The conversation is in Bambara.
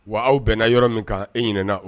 Wa aw bɛnna yɔrɔ min kan e ɲinɛna o